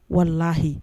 Walahi